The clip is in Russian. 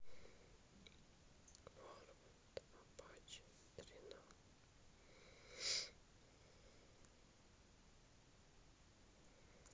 форвард апачи три ноль